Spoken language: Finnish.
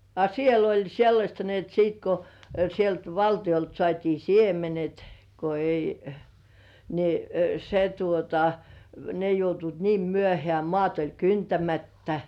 a siellä oli sellaista niin että sitten kun sieltä valtiolta saatiin siemenet kun ei niin se tuota ne joutuivat niin myöhään maat oli kyntämättä